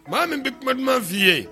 Maa min bɛ kuma dumanuma f'i ye